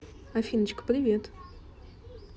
афиночка привет